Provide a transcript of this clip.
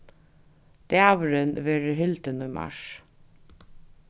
dagurin verður hildin í mars